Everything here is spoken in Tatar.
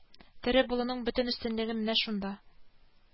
Тере булуның бөтен өстенлеге менә шунда